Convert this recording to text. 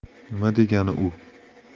nima degani u